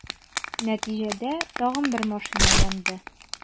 Нәтиҗәдә, тагын бер машина янды.